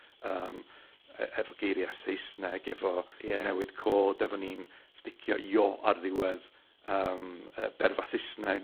yym e- efo geiria' Saesneg, efo... Ie. ...newid cod, efo ni'n sticio io ar ddiwedd yym yy berfa' Sysnag.